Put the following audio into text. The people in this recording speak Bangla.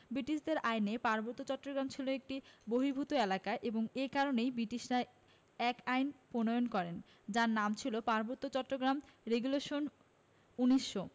বৃটিশদের আইনে পার্বত্য চট্টগ্রাম ছিল একটি বহির্ভূত এলাকা এবং এ কারণেই বৃটিশরা এক আইন প্রণয়ন করে যার নাম ছিল পার্বত্য চট্টগ্রাম রেগুলেশন ১৯০০